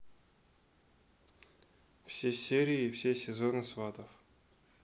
все серии и все сезоны сватов